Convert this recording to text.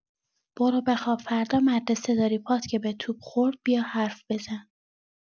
برو بخواب فردا مدرسه داری پات که به توپ خورد بیا حرف بزن!